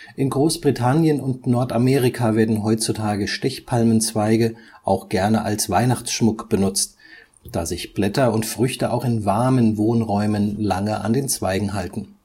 In Großbritannien und Nordamerika werden heutzutage Stechpalmenzweige auch gerne als Weihnachtsschmuck benutzt, da sich Blätter und Früchte auch in warmen Wohnräumen lange an den Zweigen halten